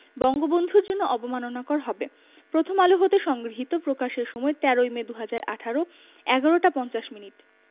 বঙ্গবন্ধুর জন্য অবমাননাকর হবে প্রথম আলো হতে সংগৃহীত প্রকাশের সময় ১৩ই মে ২০১৮ ১১ টা ৫০ মিনিট